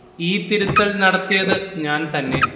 ഈ തിരുത്തൽ നടത്തിയത് ഞാൻ തന്നെ